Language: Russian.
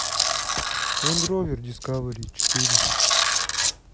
лэндровер дискавери четыре